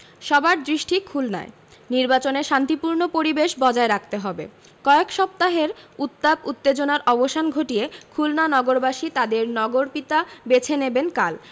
সবার দৃষ্টি খুলনায় নির্বাচনে শান্তিপূর্ণ পরিবেশ বজায় রাখতে হবে কয়েক সপ্তাহের উত্তাপ উত্তেজনার অবসান ঘটিয়ে খুলনা নগরবাসী তাঁদের নগরপিতা বেছে নেবেন কাল